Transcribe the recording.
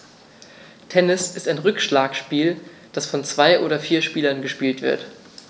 Tennis ist ein Rückschlagspiel, das von zwei oder vier Spielern gespielt wird.